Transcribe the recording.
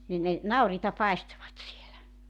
niin ne nauriita paistoivat siellä